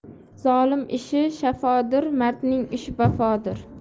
zolim ishi shafodir mardning ishi vafodir